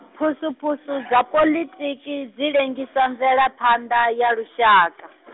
phusuphusu dza poḽitiki dzi lengisa mvelaphanḓa ya lushaka .